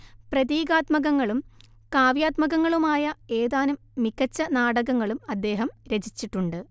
പ്രതീകാത്മകങ്ങളും കാവ്യാത്മകങ്ങളുമായ ഏതാനും മികച്ച നാടകങ്ങളും അദ്ദേഹം രചിച്ചിട്ടുണ്ട്